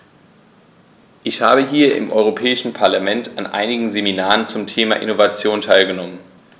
Ich habe hier im Europäischen Parlament an einigen Seminaren zum Thema "Innovation" teilgenommen.